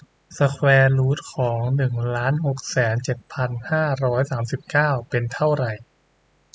สแควร์รูทของหนึ่งล้านหกแสนเจ็ดพันห้าร้อยสามสิบเก้าเป็นเท่าไหร่